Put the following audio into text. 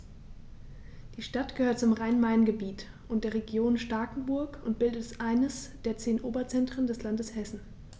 Die Stadt gehört zum Rhein-Main-Gebiet und der Region Starkenburg und bildet eines der zehn Oberzentren des Landes Hessen.